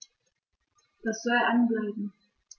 Das soll an bleiben.